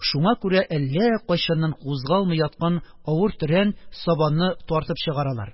Шуңа күрә әллә кайчаннан кузгалмый яткан авыр төрән сабанны тартып чыгаралар.